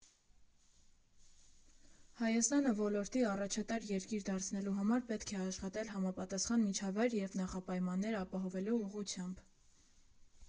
Հայաստանը ոլորտի առաջատար երկիր դարձնելու համար պետք է աշխատել համապատասխան միջավայր և նախապայմաններ ապահովելու ուղղությամբ։